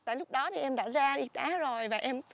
tại lúc đó thì em đã ra y tá rồi và em